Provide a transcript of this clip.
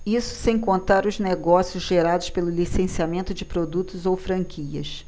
isso sem contar os negócios gerados pelo licenciamento de produtos ou franquias